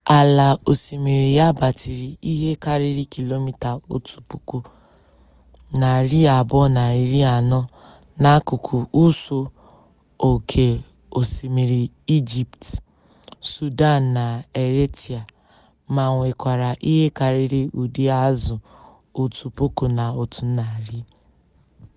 Ala osimiri ya gbatịrị ihe karịrị kilomita otu puku, narị abụọ na iri anọ n'akụkụ ụsọ oke osimiri Ijipt, Sudan na Eriterịa ma nwekwara ihe karịrị ụdị azụ otu puku na otu narị.